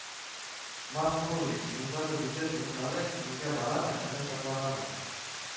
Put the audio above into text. Марс Нуруллович, вуздагы бюджет урыннары кимүгә барамы, әллә сакланамы